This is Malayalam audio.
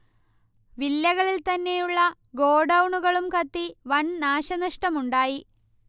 വില്ലകളിൽ തന്നെയുള്ള ഗോഡൗണുകളും കത്തി വൻ നാശന്ഷടം ഉണ്ടായി